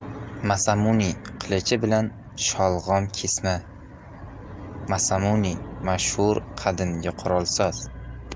masamune qilichi bilan sholg'om kesma masamune mashhur qadimgi qurolsoz